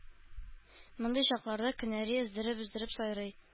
Мондый чакларда кенәри өздереп-өздереп сайрый